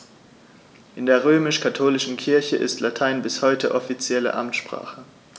In der römisch-katholischen Kirche ist Latein bis heute offizielle Amtssprache.